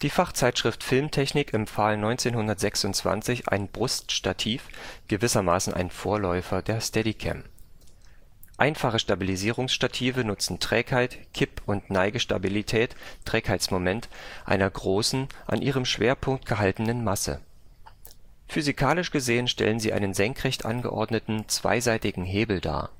Fachzeitschrift Filmtechnik empfahl 1926 ein „ Bruststativ “, gewissermaßen ein Vorläufer der Steadicam. Einfache Stabilisierungsstative nutzen Trägheit, Kipp - und Neigestabilität (Trägheitsmoment) einer großen, an ihrem Schwerpunkt gehaltenen Masse. Physikalisch gesehen stellen sie einen senkrecht angeordneten, zweiseitigen Hebel dar